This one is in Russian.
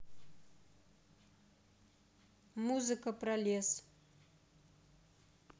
музыка про лес